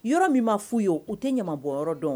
Yɔrɔ min b' f fɔ u ye u tɛ ɲama bɔ yɔrɔ dɔn